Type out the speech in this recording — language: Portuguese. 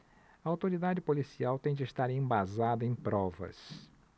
a autoridade policial tem de estar embasada em provas